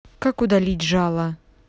как удалить жало